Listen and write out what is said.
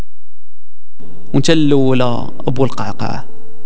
نزلولي ابو القعقاع